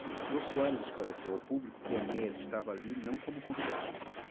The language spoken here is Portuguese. jô soares esclareceu ao público que enéas estava ali não como convidado